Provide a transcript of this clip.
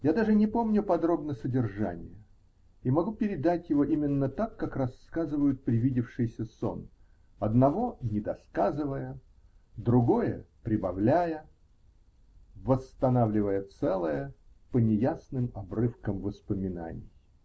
Я даже не помню подробно содержания и могу передать его именно так, как рассказывают привидевшийся сон, -- одного не досказывая, другое прибавляя, восстанавливая целое по неясным обрывкам воспоминаний.